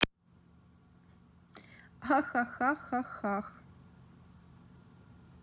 ахахахахах